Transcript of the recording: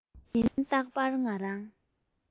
ཉིན རྟག པར ང རང